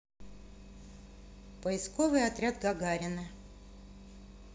поисковый отряд гагарина